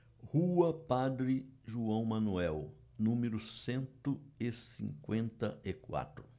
rua padre joão manuel número cento e cinquenta e quatro